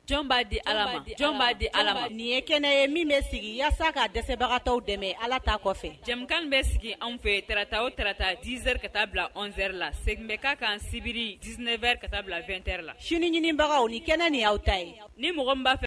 Jɔn b'a di b'a di ala nin ye kɛnɛ ye min bɛ sigi yaasa k kaa dɛsɛbagata dɛmɛ ala ta kɔfɛ jamu bɛ sigi anw fɛ tta o tata dze ka taa bila anwzɛeri la segin bɛ ka kan sibiri dzinaeɛereri ka taa bila2ɛ la sini ɲinibagaw ni kɛnɛ nin y'aw ta ye ni fɛ